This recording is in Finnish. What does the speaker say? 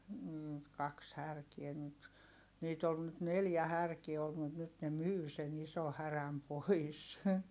- kaksi härkää nyt niitä oli nyt neljä härkää ollut mutta nyt ne myi sen ison härän pois